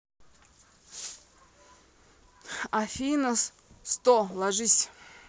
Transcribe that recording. афина сто ложись